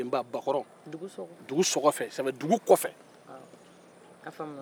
bakɔrɔn o faamuna dugu kɔ fɛ a faamuna